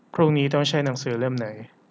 พรุ่งนี้ต้องใช้หนังสือเล่มไหน